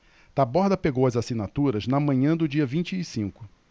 taborda pegou as assinaturas na manhã do dia vinte e cinco